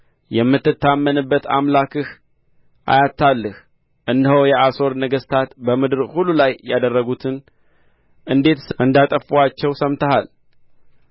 የምትታመንበት አምላክህ አያታልልህ እነሆ የአሦር ነገሥታት በምድር ሁሉ ላይ ያደረጉትን እንዴትስ እንዳጠፉአቸው ሰምተሃል